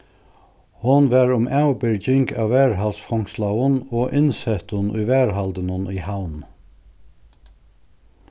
hon var um avbyrging av varðhaldsfongslaðum og innsettum í varðhaldinum í havn